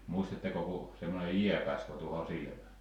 muistatteko kun semmoinen jää kasvoi tuohon silmään